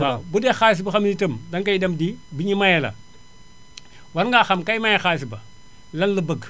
waaw bu dee xaalis boo xam ne itam danagy dem di bi ñuy maye la war ngaa xam kay maye xaalis ba lan la bëgg